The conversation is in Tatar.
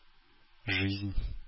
Жизнь